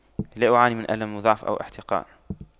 لا أعاني من ألم مضاعف أو احتقان